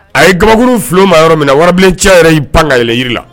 A ye gabakuru fil'u maa yɔrɔ minna warabilencɛ yɛrɛ y'i pan ka yɛlɛ yira la